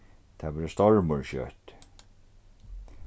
tað verður stormur skjótt